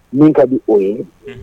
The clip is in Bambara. Min ka di o ye, unh